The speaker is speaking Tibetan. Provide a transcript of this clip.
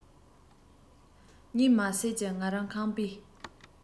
གཉིད མ སད ཀྱི ང རང ཁང པའི